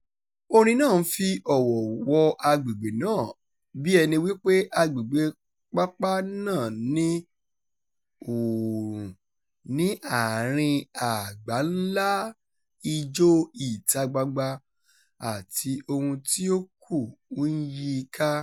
Orin náà ń fi ọ̀wọ̀ wọ agbègbè náà: bí ẹni wípé Agbègbè Papa náà ni oòrùn ní àárín àgbá-ńlá Ijó ìta-gbangba àti ohun tí ó kù ń yí i ká.